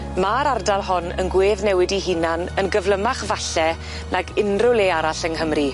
Ma'r ardal hon yn gweddnewid 'i hunan yn gyflymach falle nag unryw le arall yng Nghymru.